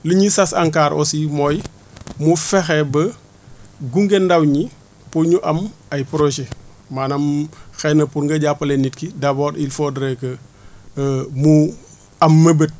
li ñuy sas ANCAR aussi mooy mu fexe ba gunge ndaw ñi pour ñu am ay projets maanaam xëy na pour nga jàppale nit ki d' abord il faudrait que mu am mëbét